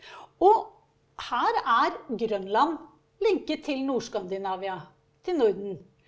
og her er Grønland lenket til Nord-Skandinavia, til Norden.